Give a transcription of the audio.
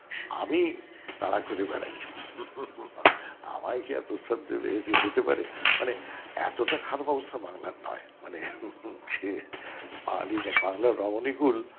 আমি তাড়া করে বেড়াই হা হা হা হা আমায় কি আর প্রস্তাব দেবে এ কি হতে পারে মানে এতটা খারাপ অবস্থা বাংলার নয় মানে বাঙালির বাংলা রমণীকুল